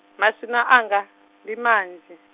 maswina anga, ndi manzhi.